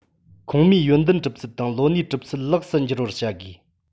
ཁོངས མིའི ཡོན ཏན གྲུབ ཚུལ དང ལོ ནའི གྲུབ ཚུལ ལེགས སུ འགྱུར བར བྱ དགོས